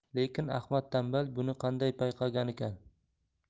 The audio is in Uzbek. lekin ahmad tanbal buni qanday payqaganikin